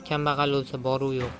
kambag'al o'lsa boruv yo'q